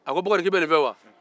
a ko bokari i bɛ nin fɛ wa